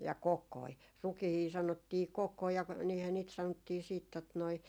ja kokoja rukiita sanottiin kokoja ja niinhän niitä sanottiin sitten tuota noin